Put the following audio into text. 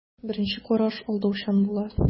Беренче караш алдаучан була.